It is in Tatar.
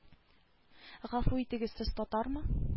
Гафу итегез сез татармы